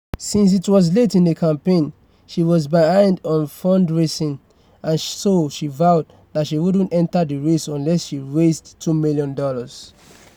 Because it was late in the campaign, she was behind on fund-raising, and so she vowed that she wouldn't enter the race unless she raised $2 million.